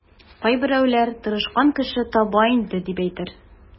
Кайберәүләр тырышкан кеше таба инде, дип әйтер.